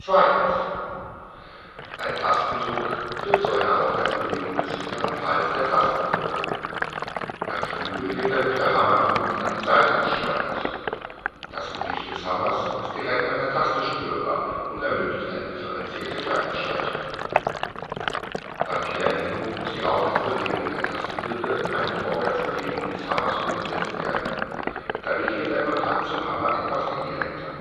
Ein Tastendruck führt zu einer Aufwärtsbewegung des hinteren Teils der Tastenwippe. Beim Flügel wird dadurch der Hammer nach oben an die Saite geschleudert. Das Gewicht des Hammers ist direkt an der Taste spürbar und ermöglicht eine differenzierte Klanggestaltung. Beim Pianino muss die Aufwärtsbewegung der Tastenwippe in eine Vorwärtsbewegung des Hammers umgesetzt werden. Dadurch wird der Kontakt zum Hammer etwas indirekter